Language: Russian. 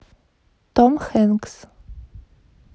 том хэнкс